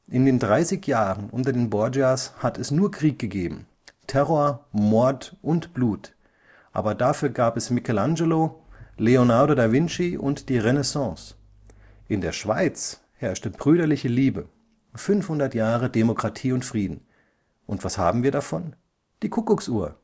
In den 30 Jahren unter den Borgias hat es nur Krieg gegeben, Terror, Mord und Blut, aber dafür gab es Michelangelo, Leonardo da Vinci und die Renaissance. In der Schweiz herrschte brüderliche Liebe, 500 Jahre Demokratie und Frieden. Und was haben wir davon? Die Kuckucksuhr